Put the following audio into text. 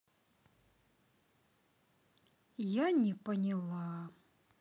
я не поняла